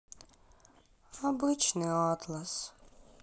обычный атлас